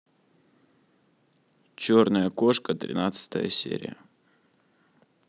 черная кошка тринадцатая серия